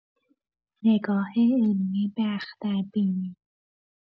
نگاه علمی به اختربینی